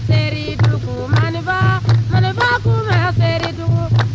seribugu maniba maniba kun bɛ seribugu